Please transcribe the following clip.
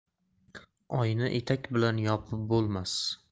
oyni etak bilan yopib bo'lmas